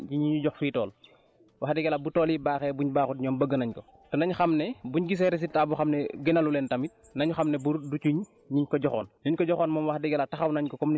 parce que man li ma jot a gis fii ci ñi ma ñi ñu jox fii tool wax dëgg yàlla bu tool yi baaxee buñ baaxut ñoom bëgg nañ ko te nañ xam ne buñ gisee résultat boo xam ne gënalul leen tamit nañ xam ne pour du ci ñin ko joxoon